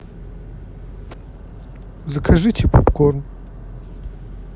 закажите попкорн